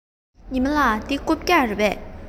ཉི མ ལགས འདི རྐུབ བཀྱག རེད པས